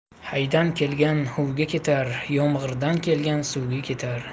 haydan kelgan huvga ketar yomg'irdan kelgan suvga ketar